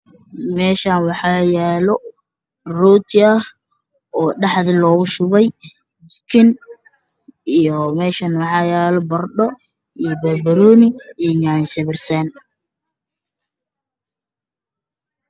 Waa rooti dhexda looga shubay iyo jibsi waxaa ag yaalo banooni cayaar ah